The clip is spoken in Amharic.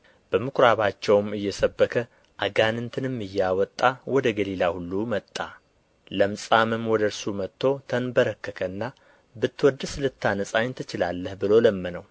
በምኵራባቸውም እየሰበከ አጋንንትንም እያወጣ ወደ ገሊላ ሁሉ መጣ ለምጻምም ወደ እርሱ መጥቶ ተንበረከከና ብትወድስ ልታነጻኝ ትችላለህ ብሎ ለመነው